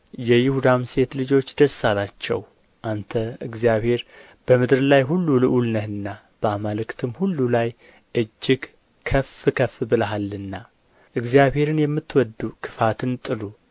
የይሁዳም ሴት ልጆች ደስ አላቸው አንተ እግዚአብሔር በምድር ላይ ሁሉ ልዑል ነህና በአማልክትም ሁሉ ላይ እጅግ ከፍ ከፍ ብለሃልና እግዚአብሔርን የምትወዱ ክፋትን ጥሉ